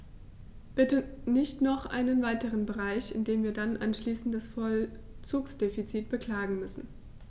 Bitte nicht noch einen weiteren Bereich, in dem wir dann anschließend das Vollzugsdefizit beklagen müssen.